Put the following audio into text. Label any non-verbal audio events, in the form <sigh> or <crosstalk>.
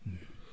<hesitation> <hesitation>